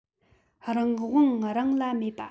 རང དབང རང ལ མེད པ